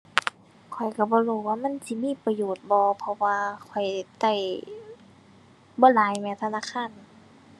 ข้อยก็บ่รู้ว่ามันสิมีประโยชน์บ่ เพราะว่าข้อยก็ บ่หลายแหม ธนาคาร